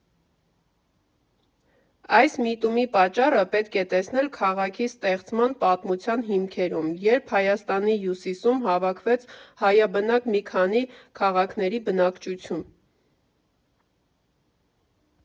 Այս միտումի պատճառը պետք է տեսնել քաղաքի ստեղծման պատմության հիմքերում, երբ Հայաստանի հյուսիսում հավաքվեց հայաբնակ մի քանի քաղաքների բնակչություն։